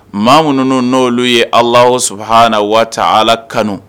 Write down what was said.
Maa min ninnu n' olu ye Allahou Soubhana wa ta Alaa la kanu.